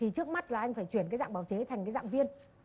thì trước mắt là anh phải chuyển cái dạng bào chế thành dạng viên